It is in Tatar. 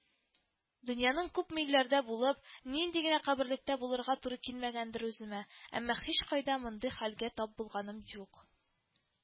Дөньяның күпме илләрендә булып, нинди генә каберлекләрдә булырга туры килмәгәндер үземә, әмма һичкайда мондый хәлгә тап булганым юк